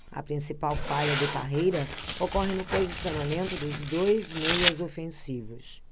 a principal falha de parreira ocorre no posicionamento dos dois meias ofensivos